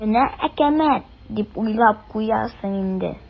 "менә әкәмәт" дип уйлап куясың инде.